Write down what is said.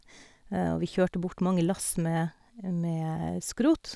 Og vi kjørte bort mange lass med med skrot.